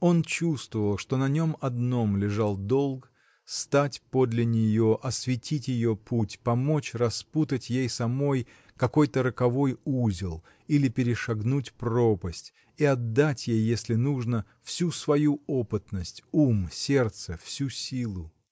Он чувствовал, что на нем одном лежал долг стать подле нее, осветить ее путь, помочь распутать ей самой какой-то роковой узел или перешагнуть пропасть и отдать ей, если нужно, всю свою опытность, ум, сердце, всю силу.